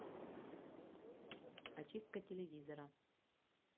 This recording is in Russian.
очистка телевизора